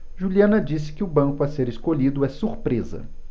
juliana disse que o banco a ser escolhido é surpresa